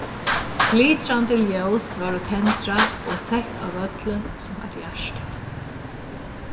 glitrandi ljós vórðu tendrað og sett á vøllin sum eitt hjarta